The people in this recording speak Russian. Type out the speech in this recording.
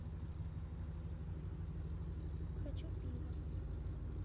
хочу пива